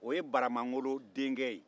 o ye baramangolo denkɛ ye